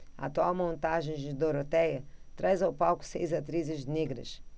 a atual montagem de dorotéia traz ao palco seis atrizes negras